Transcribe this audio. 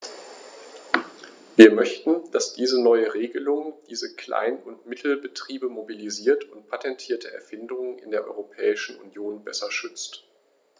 Wir möchten, dass diese neue Regelung diese Klein- und Mittelbetriebe mobilisiert und patentierte Erfindungen in der Europäischen Union besser schützt.